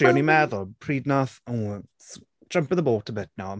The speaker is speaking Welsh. O'n i'n meddwl pryd wnaeth... ww s- jumping the boat a bit now.